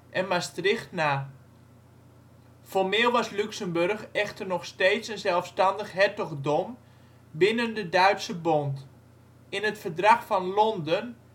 en Maastricht na. Formeel was Luxemburg echter nog steeds een zelfstandig hertogdom binnen de Duitse Bond. In het Verdrag van Londen